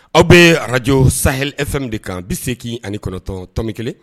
Aw bɛ arajo sah mew de kan bi see k ani kɔnɔntɔntɔnmi kelen